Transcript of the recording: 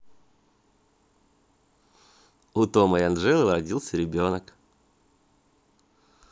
у тома и анжелы родился ребенок